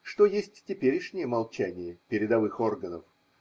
Что есть теперешнее молчание передовых органов?